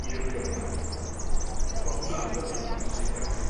i'r Gymraeg. 'Lly ma' hwnna'n yy yn bwysig iawn.